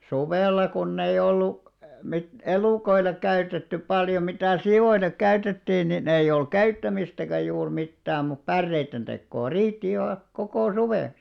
suvella kun ei ollut - elukoille käytetty paljon mitä sioillekin käytettiin niin ei oli käyttämistäkään juuri mitään mutta päreiden tekoa riitti ihan koko suveksi